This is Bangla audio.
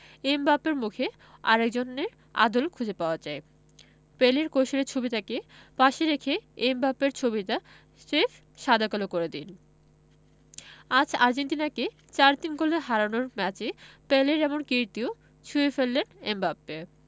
এমবাপ্পের মুখে আরেকজনের আদল খুঁজে পাওয়া যায় পেলের কৈশোরের ছবিটাকে পাশে রেখে এমবাপ্পের ছবিটা স্রেফ সাদা কালো করে দিন আজ আর্জেন্টিনাকে ৪ ৩ গোলে হারানোর ম্যাচে পেলের একটা কীর্তিও ছুঁয়ে ফেললেন এমবাপ্পে